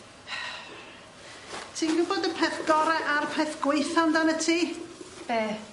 Ti'n gwbod y peth gore' a'r peth gwaetha' amdana ti? Be'?